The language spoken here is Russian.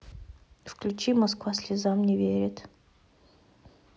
включи москва слезам не верит